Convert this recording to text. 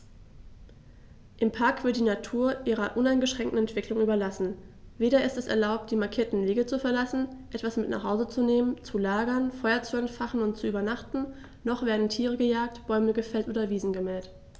Im Park wird die Natur ihrer uneingeschränkten Entwicklung überlassen; weder ist es erlaubt, die markierten Wege zu verlassen, etwas mit nach Hause zu nehmen, zu lagern, Feuer zu entfachen und zu übernachten, noch werden Tiere gejagt, Bäume gefällt oder Wiesen gemäht.